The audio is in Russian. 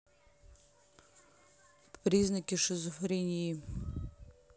признаки шизофрении